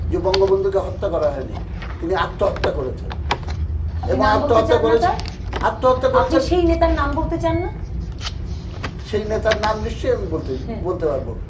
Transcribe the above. যে বঙ্গবন্ধুকে হত্যা করা হয়নি তিনি আত্মহত্যা করেছেন এবং আত্মহত্যা করেছে আপনি নাম বলতে চান না তার আপনি সেই নেতার নাম বলতে চান না সেই নেতার নাম নিশ্চয়ই আমি বলতে পারবো